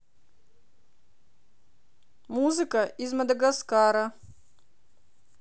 музыка из мадагаскара